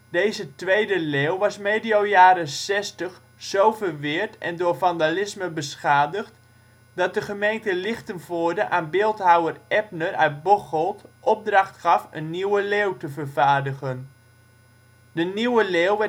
Deze tweede leeuw was medio jaren ' 60 zo verweerd en door vandalisme beschadigd dat de gemeente Lichtenvoorde aan beeldhouwer Ebner uit Bocholt opdracht gaf een nieuwe leeuw te vervaardigen. De nieuwe leeuw